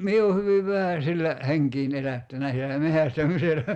minä olen hyvin vähän sillä henkeäni elättänyt sillä metsästämisellä